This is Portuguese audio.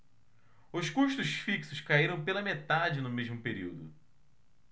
os custos fixos caíram pela metade no mesmo período